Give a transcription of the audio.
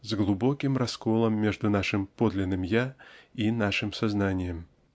с глубоким расколом между нашим подлинным "я" и нашим сознанием.